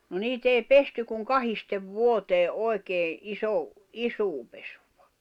no niitä ei pesty kuin kahdesti vuoteen oikein - isoa pesua